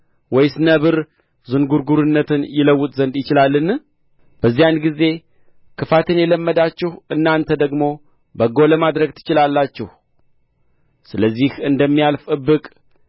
ወይስ ነብር ዝንጕርጕርነትን ይለውጥ ዘንድ ይችላልን በዚያን ጊዜ ክፋትን የለመዳችሁ እናንተ ደግሞ በጎ ለማድረግ ትችላላችሁ ስለዚህ እንደሚያልፍ እብቅ